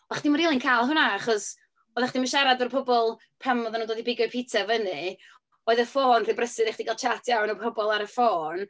O'ch chdi'm rili'n cael hwnna, achos oeddach chdi'm yn siarad efo'r pobl pan oedden nhw'n dod i bigo'r pitsa fyny, oedd y ffôn rhy brysur i chdi gael chat iawn efo bobl ar y ffôn.